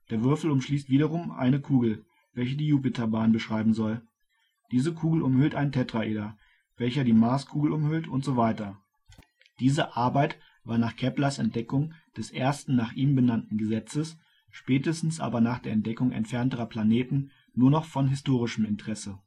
Würfel umschließt wiederum eine Kugel, welche die Jupiterbahn beschreiben soll. Diese Kugel umhüllt ein Tetraeder, welches die Marskugel umhüllt usw. Diese Arbeit war nach Keplers Entdeckung des ersten nach ihm benannten Gesetzes - spätestens aber nach der Entdeckung entfernterer Planeten - nur noch von historischem Interesse